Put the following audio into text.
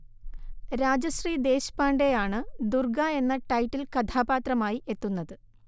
രാജശ്രീ ദേശ്പാണ്ഡേയാണ് ദുർഗ എന്ന ടൈറ്റിൽ കഥാപാത്രമായി എത്തുന്നത്